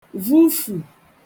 vufù